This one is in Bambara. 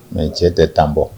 Mɛ n cɛ tɛ tanbɔ